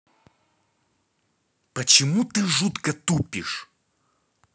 почему ты жутко тупишь